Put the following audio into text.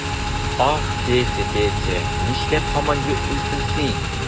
Ах, Петя, Петя, нишләп һаман йоклыйсың син?